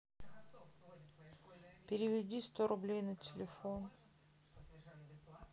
переведи сто рублей на телефон